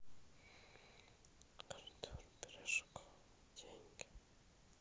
артур пирожков деньги